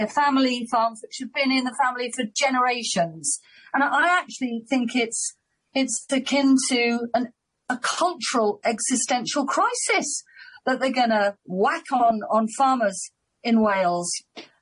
They're family farms which have been in the family for generations, and I actually think it's it's looking to an a cultural existential crisis that they're gonna whack on on farmers in Wales.